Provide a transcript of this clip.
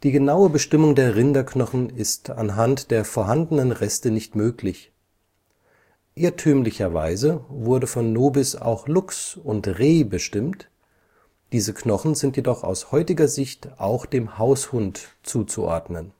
genaue Bestimmung der Rinderknochen ist anhand der vorhandenen Reste nicht möglich. Irrtümlicherweise wurde von Nobis auch Luchs (Lynx lynx) und Reh (Capreolus capreolus) bestimmt, diese Knochen sind jedoch aus heutiger Sicht auch dem Haushund zuzuordnen